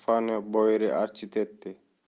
stefano boeri architetti